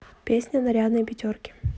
песня нарядные пятерки